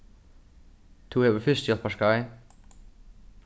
tú hevur fyrstuhjálparskeið